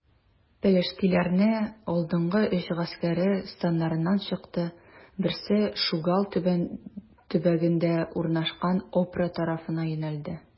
Пелештиләрнең алдынгы өч гаскәре, станнарыннан чыкты: берсе Шугал төбәгендә урнашкан Опра тарафына юнәлде.